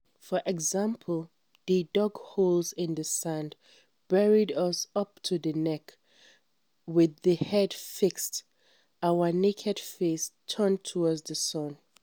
For example, they dug holes in the sand, buried us up to the neck, with the head fixed, our naked face turned toward the sun.